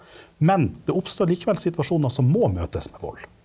men det oppstår likevel situasjoner som må møtes med vold.